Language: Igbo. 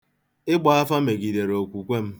Ịgba afa megidere okwukwe m.